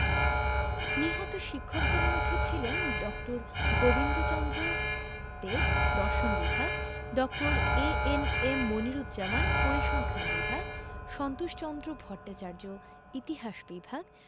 নিহত শিক্ষকদের মধ্যে ছিলেন ড. গোবিন্দচন্দ্র দেব দর্শন বিভাগ ড. এ.এন.এম মনিরুজ্জামান পরিসংখান বিভাগ সন্তোষচন্দ্র ভট্টাচার্য ইতিহাস বিভাগ